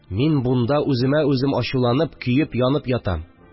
Мин бунда үземә үзем ачуланып, көеп-янып ятам